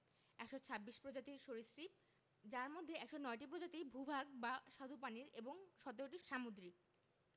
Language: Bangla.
১২৬ প্রজাতির সরীসৃপ যার মধ্যে ১০৯টি প্রজাতি ভূ ভাগ বা স্বাদুপানির এবং ১৭টি সামুদ্রিক